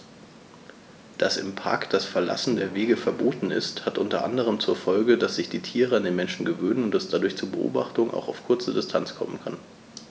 Dass im Park das Verlassen der Wege verboten ist, hat unter anderem zur Folge, dass sich die Tiere an die Menschen gewöhnen und es dadurch zu Beobachtungen auch auf kurze Distanz kommen kann.